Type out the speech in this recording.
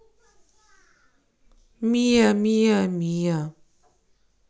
мия мия мия